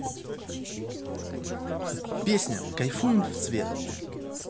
песня кайфуем в цвет